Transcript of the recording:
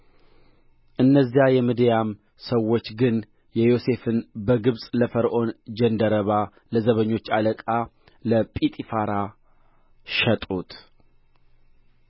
እነዚያ የምድያም ሰዎች ግን ዮሴፍን በግብፅ ለፈርዖን ጃንደረባ ለዘበኞቹ አለቃ ለጲጥፋራ ሸጡት